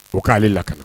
O k'ale la